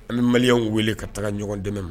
An mali wele ka taga ɲɔgɔn dɛmɛ ma